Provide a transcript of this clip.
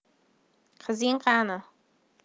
qizing qani